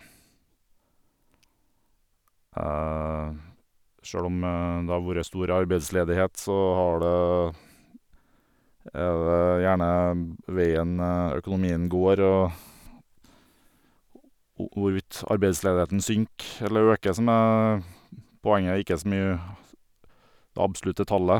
Sjøl om det har vorre stor arbeidsledighet, så har det er det gjerne b veien økonomien går, og o hvorvidt arbeidsledigheten synker eller øker, som er poenget, ikke så mye det absolutte tallet.